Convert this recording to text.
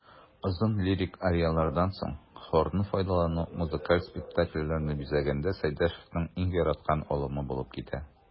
Озын лирик арияләрдән соң хорны файдалану музыкаль спектакльләрне бизәгәндә Сәйдәшевнең иң яраткан алымы булып китә.